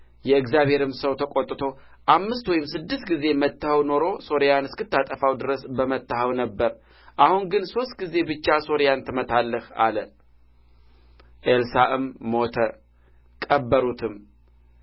የእግዚአብሔርም ሰው ተቆጥቶ አምስት ወይም ስድስት ጊዜ መትተኸው ኖሮ ሶርያን እስክታጠፋው ድረስ በመታኸው ነበር አሁን ግን ሦስት ጊዜ ብቻ ሶርያን ትመታለህ አለ ኤልሳዕም ሞተ ቀበሩትም